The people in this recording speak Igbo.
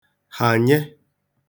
hànye